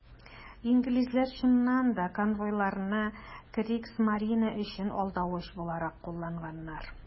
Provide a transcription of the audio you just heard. Инглизләр, чыннан да, конвойларны Кригсмарине өчен алдавыч буларак кулланганнар.